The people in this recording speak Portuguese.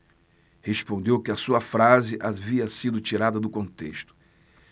respondeu que a sua frase havia sido tirada do contexto